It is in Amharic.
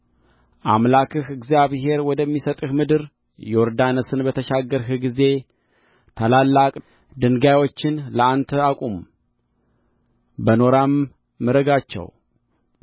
አምላክህ እግዚአብሔር ወደሚሰጥህ ምድር ዮርዳኖስን በተሻገርህ ጊዜ ታላላቅ ድንጋዮችን ለአንተ አቁም በኖራም ምረጋቸው